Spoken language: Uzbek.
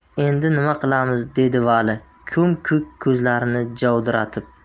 endi nima qilamiz dedi vali ko'm ko'k ko'zlarini jovdiratib